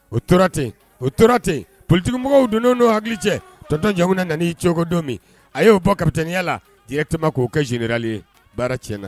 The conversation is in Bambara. O tora ten o tora ten politimɔgɔw donna don hakili cɛ tɔntɔnjago na cogo don min a y'o bɔ kateya la tema k'o kɛ je ye baara tiɲɛna